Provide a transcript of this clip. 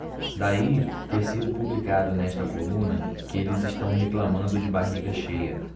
daí ter sido publicado nesta coluna que eles reclamando de barriga cheia